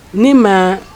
Ni ma